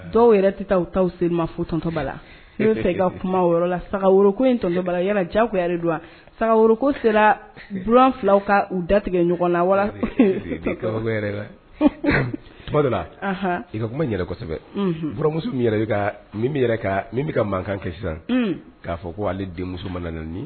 Dɔw yɛrɛ tɛ taa taa se ma fo tɔntɔba la n fɛ i ka kuma yɔrɔ la saga ko in tɔtɔba yala ja don saga ko sera buran filaw ka u datigɛ ɲɔgɔn na wa dɔ i ka kuma yɛrɛsɛbɛɔrɔmuso yɛrɛ i ka min yɛrɛ kan min bɛka ka mankan kɛ sisan k'a fɔ k ko ale denmuso ma